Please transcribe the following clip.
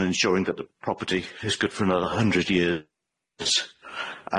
and ensuring that the property is good for another hundred years